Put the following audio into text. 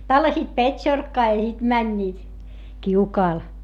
tallasivat petsorkkaa ja sitten menivät kiukaalle